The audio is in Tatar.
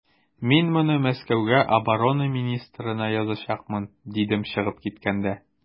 Мин моны Мәскәүгә оборона министрына язачакмын, дидем чыгып киткәндә.